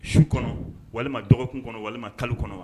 Su kɔnɔ, walima dɔgɔkun kɔnɔ, walima kalo kɔnɔ